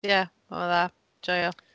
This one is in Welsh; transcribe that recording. Ie, oedd o'n dda, joio.